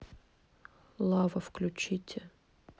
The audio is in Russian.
лава включите